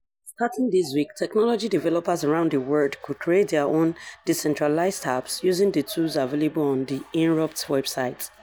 Starting this week, technology developers around the world could create their own decentralized apps using the tools available on the Inrupt website.